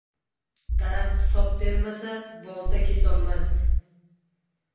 daraxt sop bermasa bolta kesolmas